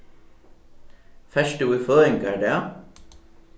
fert tú í føðingardag